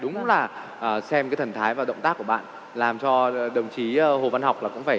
đúng là à xem cái thần thái và động tác của bạn làm cho đồng chí hồ văn học là cũng phải